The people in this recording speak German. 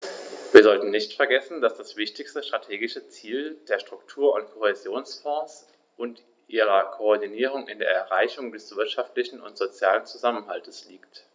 Wir sollten nicht vergessen, dass das wichtigste strategische Ziel der Struktur- und Kohäsionsfonds und ihrer Koordinierung in der Erreichung des wirtschaftlichen und sozialen Zusammenhalts liegt.